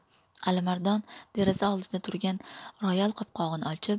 alimardon deraza oldida turgan royal qopqog'ini ochib